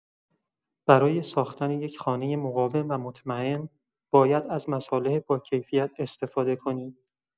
برای ساختن یک خانه مقاوم و مطمئن، باید از مصالح باکیفیت استفاده کنید.